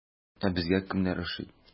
Ә безгә кемнәр ошый?